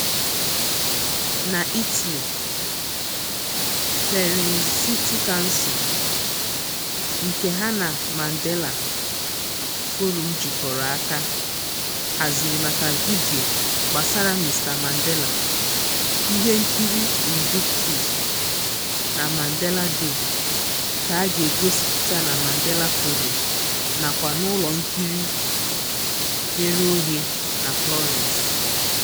N'Italy, Firenze City Council, nke ha na Mandela Forum jikọrọ aka, haziri maka vidiyo gbasara Mr Mandela, ihenkiri Invictus na Mandela Day, ka a ga-egosịpụta na Mandela Forum nakwa n'ụlọnkiri ghere oghe na Florence.